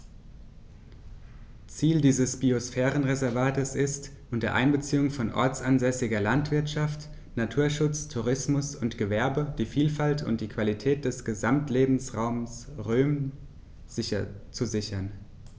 Ziel dieses Biosphärenreservates ist, unter Einbeziehung von ortsansässiger Landwirtschaft, Naturschutz, Tourismus und Gewerbe die Vielfalt und die Qualität des Gesamtlebensraumes Rhön zu sichern.